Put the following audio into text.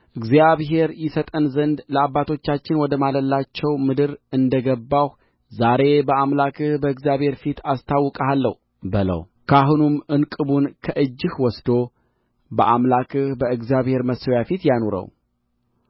እግዚአብሔር ይሰጠን ዘንድ ለአባቶቻችን ወደ ማለላቸው ምድር እንደ ገባሁ ዛሬ በአምላክህ በእግዚአብሔር ፊት አስታውቃለሁ በለው ካህኑም ዕንቅቡን ከእጅህ ወስዶ በአምላክህ በእግዚአብሔር መሠውያ ፊት ያኑረው